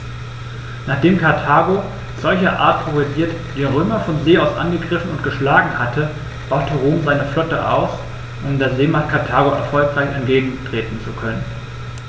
Nachdem Karthago, solcherart provoziert, die Römer von See aus angegriffen und geschlagen hatte, baute Rom seine Flotte aus, um der Seemacht Karthago erfolgreich entgegentreten zu können.